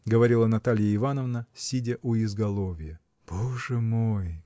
— говорила Наталья Ивановна, сидя у изголовья. — Боже мой!